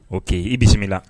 Ok i bisimila